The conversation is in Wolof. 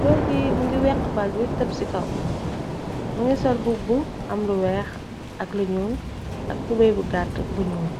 Goor gi mingi weq bal bi top ci kaw , mi ngi sol mbubbu am lu weex ak lu ñuul ak tubey bu gàtt bu ñuul,